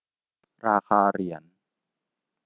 ราคาเหรียญ